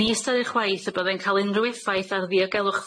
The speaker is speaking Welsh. Ni ystyrir chwaith y byddai'n ca'l unrhyw effaith ar ddiogelwch